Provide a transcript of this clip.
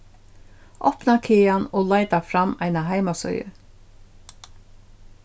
opna kagan og leita fram eina heimasíðu